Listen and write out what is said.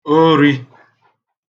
ori